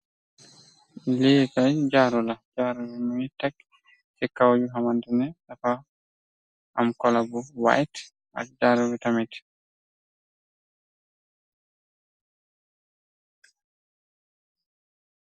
Li kay jaaru la jaaru mungi tekk ci kaw yu hamandene dafa am cola bu white ak jaaru bi tamit.